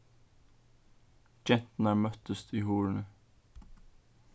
genturnar møttust í hurðini